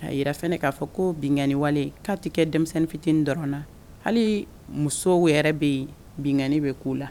K'a yira fana k'a fɔ ko binkaniwale k'a tɛ kɛ denmisɛnnin fitinin dɔrɔn na hali musow yɛrɛ bɛ ye binkani bɛ k'u la.